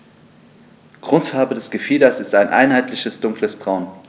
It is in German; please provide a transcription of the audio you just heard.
Grundfarbe des Gefieders ist ein einheitliches dunkles Braun.